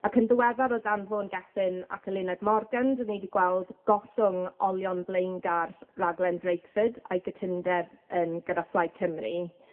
Ac yn ddiweddar o dyn Vaughn Gethin ac Eluned Morgan 'dyn ni 'di gweld gollwng olion blaengar raglen Drakeford a'i gytundeb yn gyda Phlaid Cymru